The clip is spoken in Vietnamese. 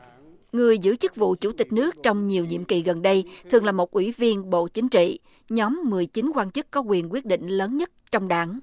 người giữ chức vụ chủ tịch nước trong nhiều nhiệm kỳ gần đây thường là một ủy viên bộ chính trị nhóm mười chín quan chức có quyền quyết định lớn nhất trong đảng